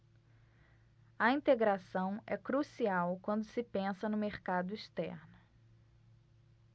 a integração é crucial quando se pensa no mercado externo